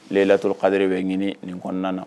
Yilatɔ kadi bɛ ɲini nin kɔnɔna na